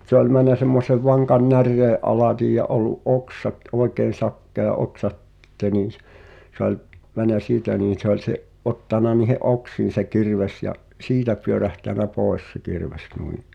mutta se oli mennyt semmoisen vankan näreen alitse ja ollut oksat oikein sakea oksa sitten niin - se oli mennyt siitä niin se oli se ottanut niiden oksiin se kirves ja siitä pyörähtänyt pois se kirves noin